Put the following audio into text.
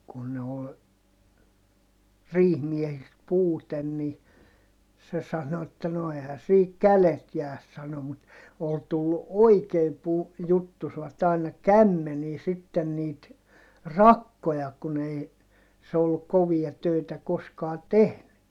kun ne oli riihimiehistä puute niin se sanoi että no eihän siinä kädet jää sanoi mutta oli tullut oikein - juttusivat aina kämmeniin sitten niitä rakkoja kun ei se ollut kovia töitä koskaan tehnyt